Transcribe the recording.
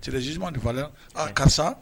Trezsima defalen karisa